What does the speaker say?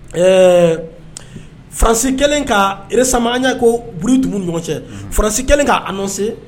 Ɛɛ farasi kelen ka sa an ko dugu ɲɔgɔn cɛ farasi kelen'a nɔ se